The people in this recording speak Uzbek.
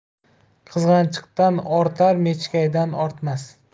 qizg'anchiqdan ortar mechkaydan ortmas